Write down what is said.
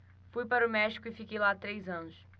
fui para o méxico e fiquei lá três anos